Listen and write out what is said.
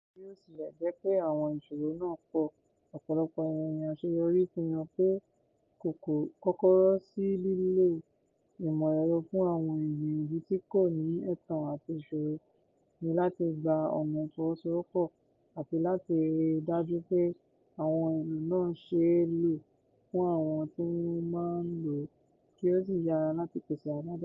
Bí ó tilẹ̀ jẹ́ pé àwọn ìṣòro náà pọ̀, ọ̀pọ̀lọpọ̀ ìròyìn àṣeyọrí fi hàn pé kọ́kọ́rọ́ sí lílo ìmọ̀ ẹ̀rọ fún àwọn ìgbìyànjú tí kò ní ẹ̀tàn àti ìṣirò ni láti gba ọ̀nà ìfọwọ́sowọ́pọ̀ àti láti ríi dájú pé àwọn èlò náà ṣe é lò fún àwọn tí wọ́n máa lò ó kí ó sì yára láti pèsè àbájáde.